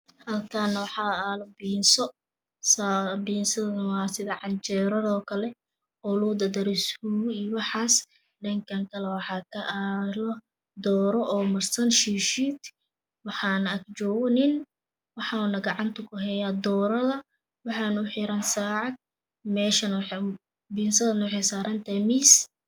Halkaan waxaa yaala biinso biinsada waa sida canjeerada ookale oolagu dar daray suugo iyo waxaas dhankaa kale waxaa ka aalo dooro oo marsan shiishiid waxaana agjoogo nin waxa uu gacanta kuhayaa doorada waxaana uxiran saacad biinsadana waxa ay saaran tahay miis